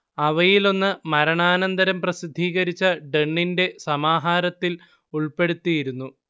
അവയിലൊന്ന് മരണാന്തരം പ്രസിദ്ധീകരിച്ച ഡണ്ണിന്റെ സമഹാരത്തിൽ ഉൾപ്പെടുത്തിയിരുന്നു